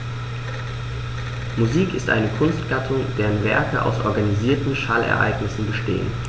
Musik ist eine Kunstgattung, deren Werke aus organisierten Schallereignissen bestehen.